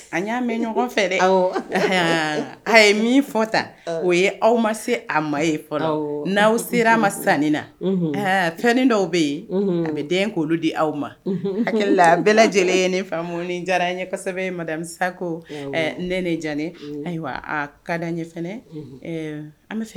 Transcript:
A ye fɔ ta o ye aw ma se a ma ye fɔlɔ n' aw sera ma sanni na fɛn dɔw bɛ yen a bɛ den di aw ma bɛɛ lajɛlen ye ne famu ni diyara ɲɛsɛbɛ masa ne ne ja ne ayiwa ka ɲɛ fana an